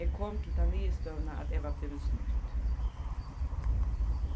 eg kom til ta niðurstøðuna at eg var blivin snýtt